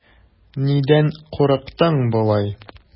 Нидән курыктың болай?